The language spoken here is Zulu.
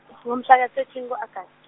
ngomhla ka- thirteen ku- August.